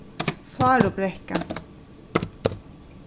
sárubrekka